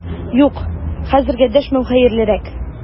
Юк, хәзергә дәшмәү хәерлерәк!